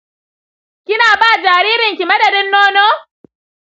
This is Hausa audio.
kina ba jaririnki madadin nono?